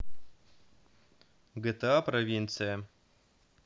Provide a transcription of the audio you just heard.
gta провинция